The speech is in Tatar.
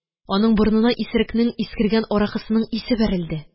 Аның борынына исерекнең искергән аракысының исе бәрелде.